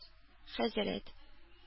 Хәзрәт